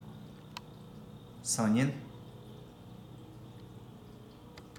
སང ཉིན